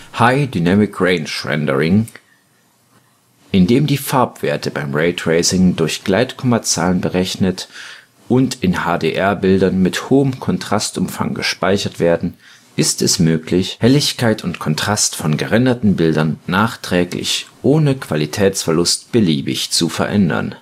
High Dynamic Range Rendering Indem die Farbwerte beim Raytracing durch Gleitkommazahlen berechnet und in HDR-Bildern mit hohem Kontrastumfang gespeichert werden, ist es möglich, Helligkeit und Kontrast von gerenderten Bildern nachträglich ohne Qualitätsverlust beliebig zu verändern